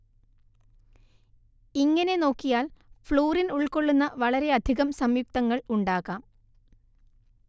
ഇങ്ങനെ നോക്കിയാൽ ഫ്ലൂറിൻ ഉൾക്കൊള്ളുന്ന വളരെയധികം സംയുക്തങ്ങൾ ഉണ്ടാകാം